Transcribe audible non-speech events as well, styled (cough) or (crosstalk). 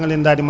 (hesitation) (hesitation)